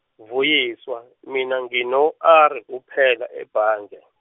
Vuyiswa, mina ngino, R kuphela ebhange.